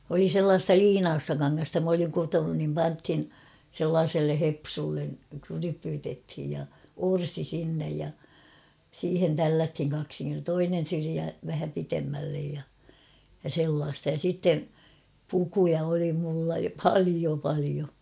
oli sellaista liinaista kangasta minä olin kutonut niin pantiin sellaiselle hepsulle rypytettiin ja orsi sinne ja siihen tällättiin kaksinkerroin toinen syrjä vähän pidemmälle ja ja sellaista ja sitten pukuja oli minulla paljon paljon